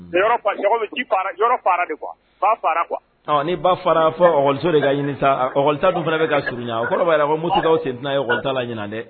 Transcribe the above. Ni yɔrɔ fa ra , ji fa ra, ba fa ra de quoi ɔn ni ba fa ra fo école so de ka ɲini, école ta sera ka ban o kɔrɔ y'a ye ko Mopti sen tɛna ye école ta la ɲinɛ dɛ